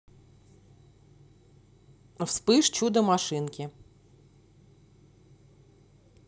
вспыш чудо машинки